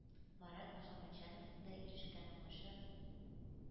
Марат Мөхәммәтҗановның да ирешкән уңышы